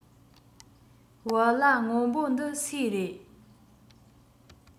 བལ ལྭ སྔོན པོ འདི སུའི རེད